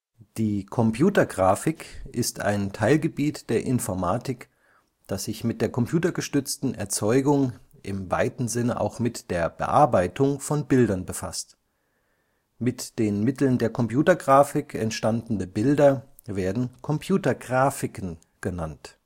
Die Computergrafik ist ein Teilgebiet der Informatik, das sich mit der computergestützten Erzeugung, im weiten Sinne auch mit der Bearbeitung von Bildern befasst. Mit den Mitteln der Computergrafik entstandene Bilder werden Computergrafiken genannt